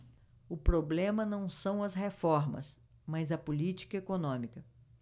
o problema não são as reformas mas a política econômica